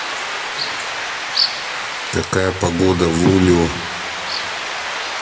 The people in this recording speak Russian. какая погода в лулио